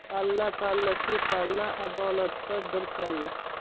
palla palla shu palla adolatda bir kalla